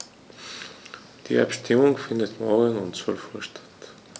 Die Abstimmung findet morgen um 12.00 Uhr statt.